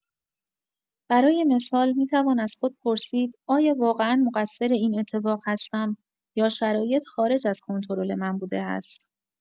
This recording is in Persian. برای مثال، می‌توان از خود پرسید: «آیا واقعا مقصر این اتفاق هستم، یا شرایط خارج از کنترل من بوده است؟»